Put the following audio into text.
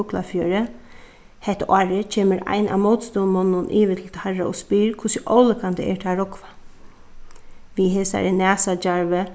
fuglafjørði hetta árið kemur ein av mótstøðumonnunum yvir til teirra og spyr hvussu ólukkan tað er teir rógva við hesari